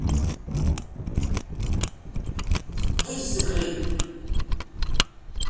выйди с игры